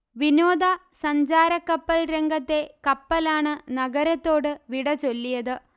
വിനോദ സഞ്ചാരക്കപ്പൽ രംഗത്തെ കപ്പലാണ് നഗരത്തോട് വിട ചൊല്ലിയത്